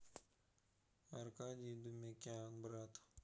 аркадий думикян брат